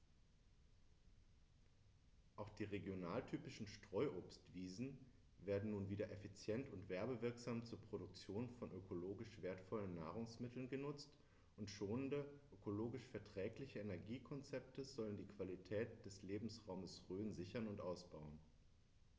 Auch die regionaltypischen Streuobstwiesen werden nun wieder effizient und werbewirksam zur Produktion von ökologisch wertvollen Nahrungsmitteln genutzt, und schonende, ökologisch verträgliche Energiekonzepte sollen die Qualität des Lebensraumes Rhön sichern und ausbauen.